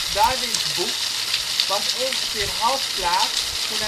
Darwins boek was ongeveer half klaar toen